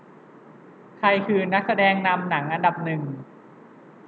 ใครคือนักแสดงนำหนังอันดับหนึ่ง